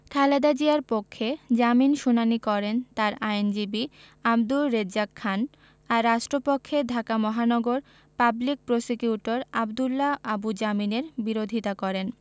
খালেদা জিয়ার পক্ষে জামিন শুনানি করেন তার আইনজীবী আব্দুর রেজ্জাক খান আর রাষ্ট্রপক্ষে ঢাকা মহানগর পাবলিক প্রসিকিউটর আব্দুল্লাহ আবু জামিনের বিরোধিতা করেন